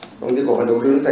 công ty cổ phần đầu tư